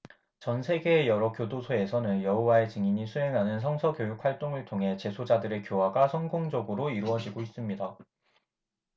전 세계의 여러 교도소에서는 여호와의 증인이 수행하는 성서 교육 활동을 통해 재소자들의 교화가 성공적으로 이루어지고 있습니다